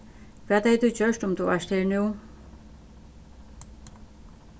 hvat hevði tú gjørt um tú vart her nú